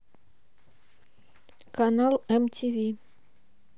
канал мтв